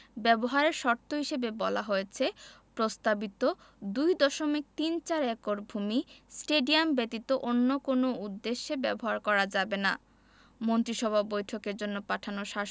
হওয়ায় বরাদ্দ করা ভূমি ব্যবহারের শর্ত হিসেবে বলা হয়েছে প্রস্তাবিত ২ দশমিক তিন চার একর ভূমি স্টেডিয়াম ব্যতীত অন্য কোনো উদ্দেশ্যে ব্যবহার করা যাবে না